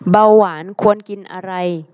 เบาหวานควรกินอะไร